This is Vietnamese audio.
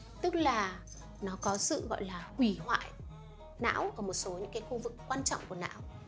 tức là nó có cái sư hủy hoại não ở một số cái khu vực quan trọng của não